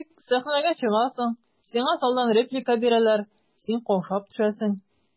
Әйтик, сәхнәгә чыгасың, сиңа залдан реплика бирәләр, син каушап төшәсең.